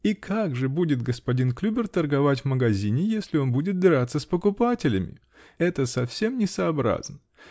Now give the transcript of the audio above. -- И как же будет господин Клюбер торговать в магазине, если он будет драться с покупателями? Это совсем несообразно!